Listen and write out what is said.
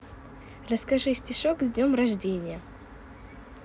расскажи стишок с днем рождения